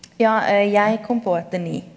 ja jeg kom på etter ni.